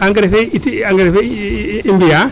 engrais engrais fee i mbiyaa